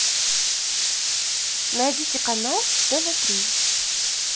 найдите канал тв три